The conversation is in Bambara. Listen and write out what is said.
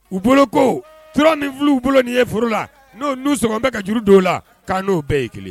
U bolo ko t niluw bolo ni ye furu la n'o nuɔgɔngɔ bɛ ka juru don la ka' n'o bɛɛ ye kelen